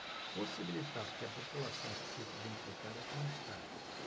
possibilitar que a população se sinta identificada com o estado